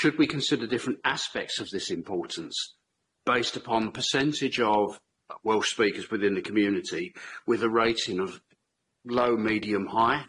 Should we consider different aspects of this importance based upon the percentage of Welsh speakers within the community with a rating of low, medium, high?